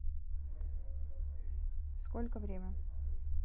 сколько время